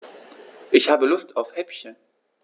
Ich habe Lust auf Häppchen.